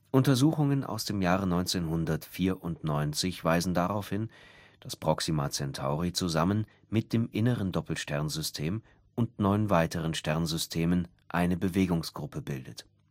Untersuchungen aus dem Jahr 1994 weisen darauf hin, dass Proxima Centauri zusammen mit dem inneren Doppelsternsystem und neun weiteren Sternsystemen eine Bewegungsgruppe bildet